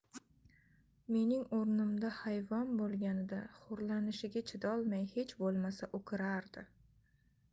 mening o'rnimda hayvon bo'lganida xo'rlanishiga chidolmay hech bo'lmasa o'kirardi